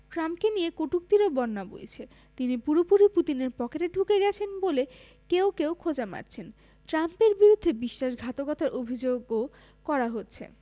ট্রাম্পকে নিয়ে কটূক্তিরও বন্যা বইছে তিনি পুরোপুরি পুতিনের পকেটে ঢুকে গেছেন বলে কেউ কেউ খোঁচা মারছেন ট্রাম্পের বিরুদ্ধে বিশ্বাসঘাতকতার অভিযোগও করা হচ্ছে